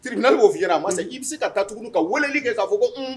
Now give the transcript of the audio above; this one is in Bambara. Siririinali b' fi a ma i bɛ se ka taa tuguni ka weleli kɛ k'a fɔ ko